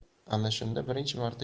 ana shunda birinchi marta